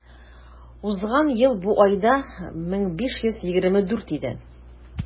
Узган ел бу айда 1524 иде.